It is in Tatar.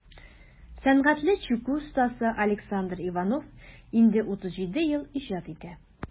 Сәнгатьле чүкү остасы Александр Иванов инде 37 ел иҗат итә.